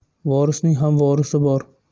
vorisning ham vorisi bor